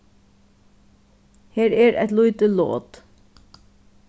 her er eitt lítið lot